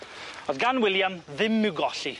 O'dd gan William ddim i'w golli.